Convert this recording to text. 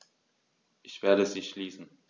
Ich werde sie schließen.